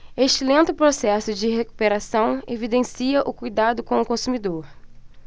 este lento processo de recuperação evidencia o cuidado com o consumidor